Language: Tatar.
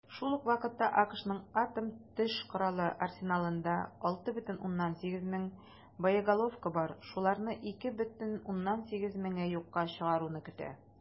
Шул ук вакытта АКШның атом төш коралы арсеналында 6,8 мең боеголовка бар, шуларны 2,8 меңе юкка чыгаруны көтә.